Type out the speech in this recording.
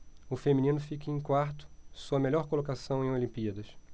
o feminino fica em quarto sua melhor colocação em olimpíadas